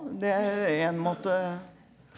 det er en måte.